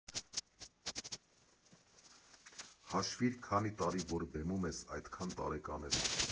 Հաշվիր՝ քանի տարի որ բեմում ես, այդքան տարեկան ես։